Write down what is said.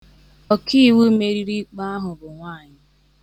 Ọkiiwu meriri ikpe ahụ bụ nwaanyị.